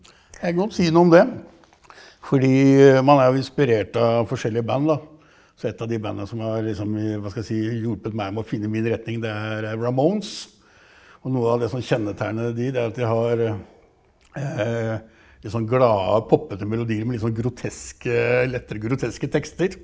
jeg kan godt si noe om det, fordi man er jo inspirert av forskjellige band da, så et av de banda som har liksom i hva skal jeg si hjulpet meg med å finne min retning det er er Ramones, og noe av det som kjennetegner de det er at de har litt sånne glade, popete melodier med litt sånn groteske lettere groteske tekster.